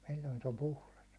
silloin se on puhdas